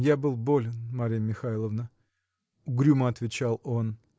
– Я был болен, Марья Михайловна, – угрюмо отвечал он.